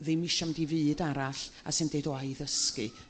ddim isio mynd i fyd arall a sy'n d'eud o â i i ddysgu.